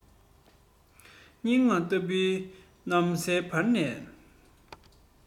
སྙན ངག ལྟ བུའི གནམ སའི བར ནས